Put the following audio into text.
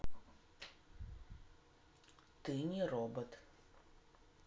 ты не робот